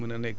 dëgg la